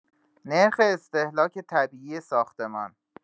نرخ استهلاک طبیعی ساختمان